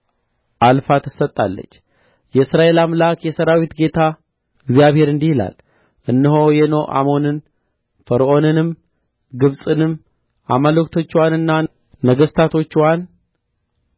አልፋ ትሰጣለች የእስራኤል አምላክ የሠራዊት ጌታ እግዚአብሔር እንዲህ ይላል እነሆ የኖእ አሞንን ፈርዖንንም ግብጽንም አማልክቶችዋንና ነገሥታቶችዋንም